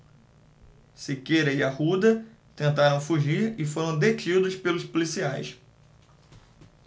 siqueira e arruda tentaram fugir e foram detidos pelos policiais